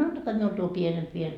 antakaa minulle tuo pienempi vielä